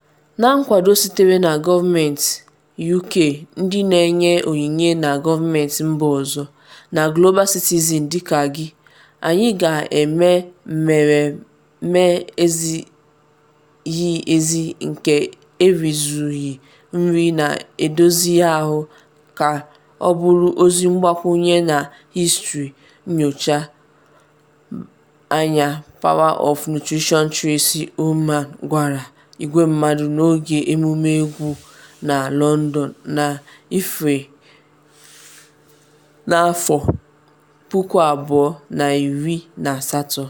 “Na nkwado sitere na gọọmentị UK, ndị na-enye onyinye na gọọmentị mba ọzọ, na Global Citizen dịka gị, anyị ga-eme mmeremme ezighi ezi nke erizughị nri na-edozi ahụ ka ọ bụrụ ozi mgbakwunye na hịstrị.” Onye nnọchi anya Power of Nutrition Tracey Ullman gwara igwe mmadụ n’oge emume egwu na London na Eprel 2018.